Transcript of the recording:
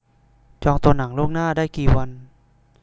จองตั๋วหนังล่วงหน้าได้กี่วัน